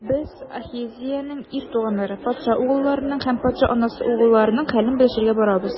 Без - Ахазеянең ир туганнары, патша угылларының һәм патша анасы угылларының хәлен белешергә барабыз.